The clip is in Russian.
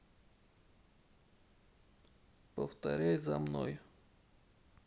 повторяй за мной